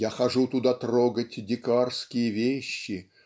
Я хожу туда трогать дикарские вещи